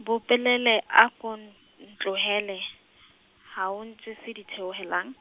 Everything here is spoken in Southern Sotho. Bopepele a ko n- ntlohele, ha o ntjese le ditheohelang.